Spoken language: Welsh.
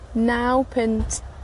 naw punt